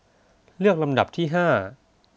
เลือกลำดับที่ห้า